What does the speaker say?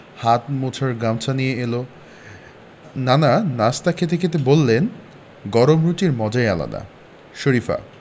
হাত মোছার গামছা নিয়ে এলো নানা নাশতা খেতে খেতে বললেন গরম রুটির মজাই আলাদা শরিফা